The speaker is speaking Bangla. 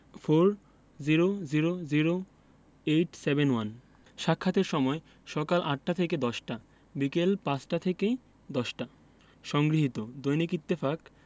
৪০০০৮৭১ সাক্ষাতের সময়ঃসকাল ৮টা থেকে ১০টা - বিকাল ৫টা থেকে ১০টা সংগৃহীত দৈনিক ইত্তেফাক